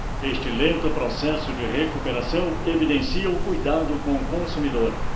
este lento processo de recuperação evidencia o cuidado com o consumidor